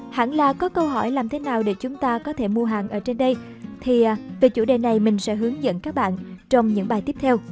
hẳn là có câu hỏi làm thế nào để chúng ta có thể mua hàng ở trên đây thì về chủ đề này mình sẽ hướng dẫn các bạn trong những bài tiếp theo